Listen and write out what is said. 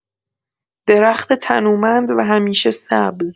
درخت تنومند و همیشه سبز